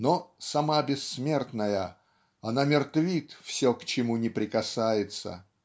но, сама бессмертная, она мертвит все, к чему ни прикасается.